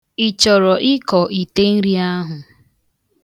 Ị chọrọ ịkọ ite nri ahụ?